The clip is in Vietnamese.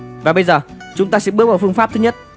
và bây giờ chúng ta sẽ bước vào phương pháp thứ